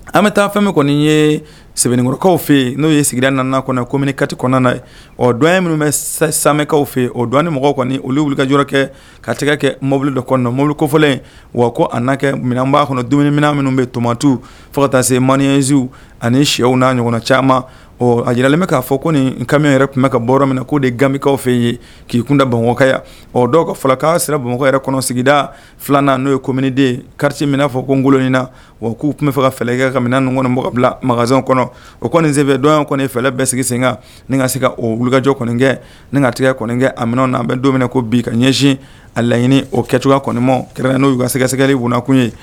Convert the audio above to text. An bɛ taa fɛn min kɔni ye sɛbɛnnikɔrɔkaw fɛ yen n'o ye sigira nana kom kati kɔnɔna na ɔ dɔn minnu bɛ samɛkaw fɛ o dɔnɔni mɔgɔw kɔni olu wuli ka jɔ kɛ katigɛ kɛ mobili dɔ kɔnɔ mobili kɔfɔlen wa ko an'a kɛ minɛn an b'a kɔnɔ dumunimina minnu bɛ tomatu fo ka taa se mansinw ani shɛw na ɲɔgɔn caman ɔ a jiralen bɛ k'a fɔ ko nin kami yɛrɛ tun bɛ ka bɔ minɛ k'o de gamikaw fɛ yen k'i kunda bamakɔkɛya ɔ dɔwkan sira bamakɔ yɛrɛ kɔnɔ sigida filanan n'o ye komden kari minaa fɔ ko n golo ɲɛna na wa k'u tun bɛ fɔ ka fɛkɛ ka min nin kɔnɔ mɔgɔ bila makanz kɔnɔ o kɔni nin senefɛdɔ kɔni fɛlɛ bɛ sigi sen kan ni ka se ka o wukajɔ kɔnikɛ ni katigɛ kɛ min na an bɛ don ko bi ka ɲɛsin a laɲiniini o kɛ cogoyaya kɔnima kɛrɛn n'o uu ka se kasɛgɛli munnanakun ye